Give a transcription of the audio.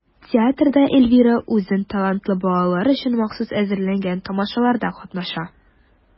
Театрда Эльвира үзен талантлы балалар өчен махсус әзерләнгән тамашаларда катнаша.